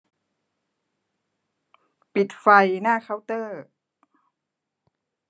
ปิดไฟหน้าเคาน์เตอร์